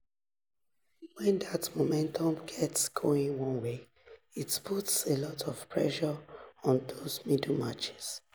When that momentum gets going one way, it puts a lot of pressure on those middle matches.